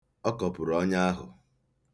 Ọ kọpuru ọnya ahụ.